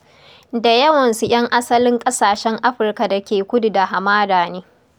Da yawansu 'yan asalin ƙasashen Afirka da ke kudu da hamada ne.